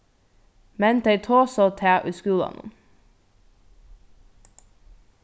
men tey tosaðu tað í skúlanum